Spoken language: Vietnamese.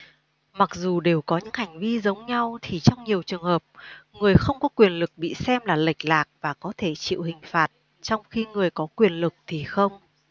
mặc dù đều có những hành vi giống nhau thì trong nhiều trường hợp người không có quyền lực bị xem là lệch lạc và có thể chịu hình phạt trong khi người có quyền lực thì không